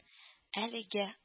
Әлегә